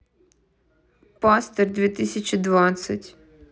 пастырь две тысячи двадцать